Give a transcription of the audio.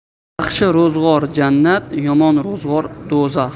yaxshi ro'zg'or jannat yomon ro'zg'or do'zax